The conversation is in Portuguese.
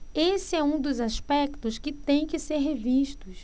esse é um dos aspectos que têm que ser revistos